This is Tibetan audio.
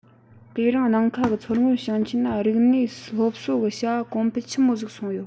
དེ རིང ནིང ཁ གི མཚོ སྔོན ཞིང ཆེན ན རིག གནས སལོབ གསོ གི བྱ བ གོངགའཕེལ ཆི མོ ཟིག སོང ཡོད